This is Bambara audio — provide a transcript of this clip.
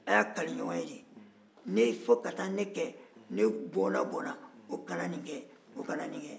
a' y'a' kali ɲɔgɔn ye de fɔ ka taa min kɛ ne bɔna fɛn o fɛn o kana nin kɛ o kana nin kɛ